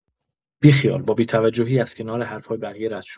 بی‌خیال، با بی‌توجهی از کنار حرفای بقیه رد شو!